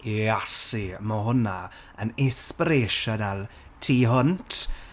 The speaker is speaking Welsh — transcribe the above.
Iasu. Ma' hwnna yn inspirational tu hwnt.